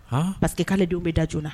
Han parce que k'ale denw be da joona